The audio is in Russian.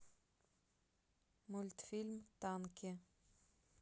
мультфильм танки